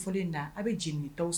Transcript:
A bɛ jigin